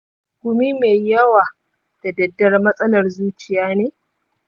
gumi mai yawa da daddare matsalar zuciya ne?